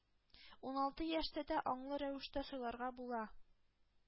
Уналты яшьтә дә аңлы рәвештә сайларга була,